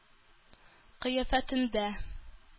Кыяфәтендә